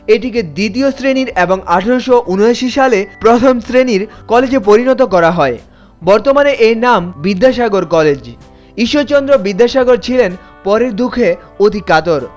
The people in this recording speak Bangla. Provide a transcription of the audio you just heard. এটিকে দ্বিতীয় শ্রেণীর এবং ১৮৭৯ সালে প্রথম শ্রেণীর কলেজে পরিণত করা হয় বর্তমানে এর নাম বিদ্যাসাগর কলেজ ঈশ্বরচন্দ্র বিদ্যাসাগর ছিলেন পরের দুঃখে অধিক কাতর